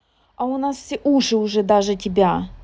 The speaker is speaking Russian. а у нас все уши уже даже тебя